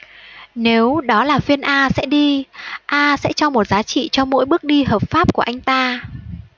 nếu đó là phiên a sẽ đi a sẽ cho một giá trị cho mỗi bước đi hợp pháp của anh ta